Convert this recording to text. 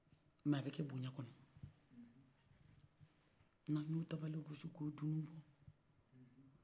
m'a bekɛ boɲa kɔnɔ n'a kun ye o tabalenw kossi k'o dunun dɔn